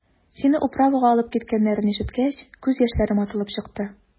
Сине «управа»га алып киткәннәрен ишеткәч, күз яшьләрем атылып чыкты.